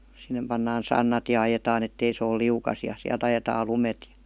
sinne pannaan sannat ja ajetaan että ei se ole liukas ja sieltä ajetaan lumet ja